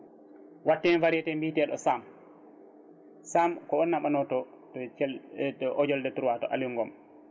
watti hen variété mbiteɗo sam sam ko wannama noto to Hodioldé 3 to Aliou Ngom